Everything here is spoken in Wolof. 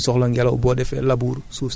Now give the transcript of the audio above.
rasinu garab yi danu dañu noyyi